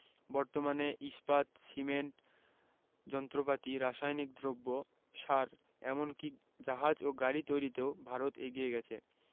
বর্তমানে ইস্পাত সিমেন্ট যন্ত্রপাতি রাসায়নিক দ্রব্য সার এমন কি জাহাজ ও গাড়ি তৈরিতেও ভারত এগিয়ে গেছে